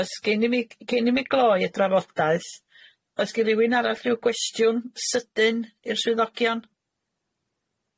Oes gei ni cyn i mi gei ni mi gloi y drafodaeth oes gei rywun arall ryw gwestiwn sydyn i'r swyddogion?